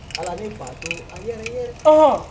Ala ni fato